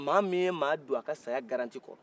ma min don a ka saya garntie kɔrɔ